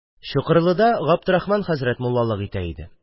Чокырлыда Габдрахман хәзрәт муллалык итә иде.